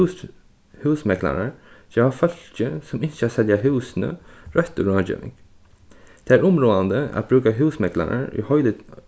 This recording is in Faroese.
geva fólki sum ynskja at selja húsini røttu ráðgeving tað er umráðandi at brúka